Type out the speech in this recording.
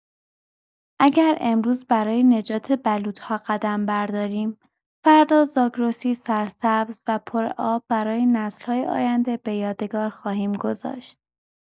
اگر امروز برای نجات بلوط‌ها قدم برداریم، فردا زاگرسی سرسبز و پرآب برای نسل‌های آینده به یادگار خواهیم گذاشت.